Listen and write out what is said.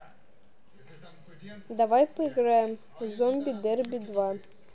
давай поиграем в зомби дерби два